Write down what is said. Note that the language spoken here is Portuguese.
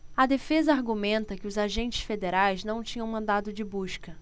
a defesa argumenta que os agentes federais não tinham mandado de busca